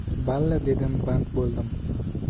balli dedim band bo'ldim